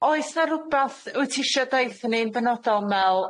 Oes na rwbath wyt ti isio deutho ni yn benodol Mel?